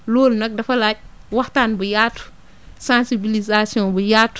loolu nag dafa laaj waxtaan bu yaatu sensibilisation bu yaatu